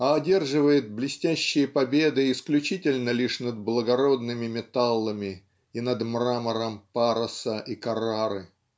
а одерживает блестящие победы исключительно лишь над благородными металлами и над мрамором Пароса или Каррары.